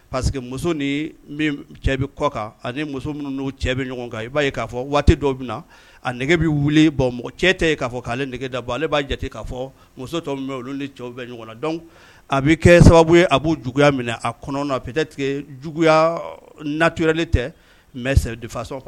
Seke muso ni cɛ kɔ kan ani muso minnu cɛ bɛ ɲɔgɔn kan i b'a k'a fɔ waati dɔ min na a bɛ bɔn cɛ'a fɔ'ale da ale b'a jate k'a fɔ muso cɛw ɲɔgɔn na a bɛ kɛ sababu a' juguya minɛ a kɔnɔ tigɛ juguyaya nato tɛ mɛ sɛridufasɔn kan